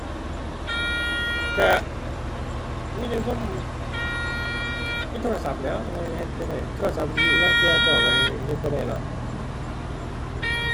ก็ มีแต่ซุมมีโทรศัพท์แหล้ว โทรศัพท์ลางเทื่อเจ้าก็ เฮ็ดบ่ได้ล่ะ